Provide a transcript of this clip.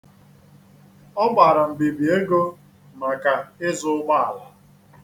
Ọ gbara mbibi ego maka ịzụ ụgbọala.